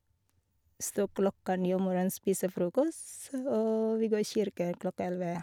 Stå opp klokka ni om morgenen, spise frokost, og vi gå i kirken klokka elleve.